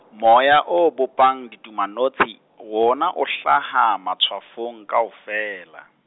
moya o bopang ditumanotshi, wona o hlaha matshwafong kaofela.